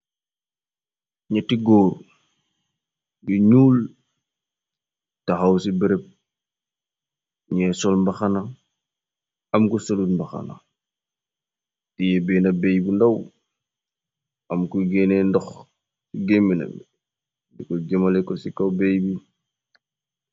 Nyatti góor yu ñuul, taxaw ci bereb, ñee sol mbaxana am ku solul mbaxana, tiyé beena bey bu ndaw, am kuy génnee ndox ci gémminyam bi di ku jëmale ko ci kaw béy bi.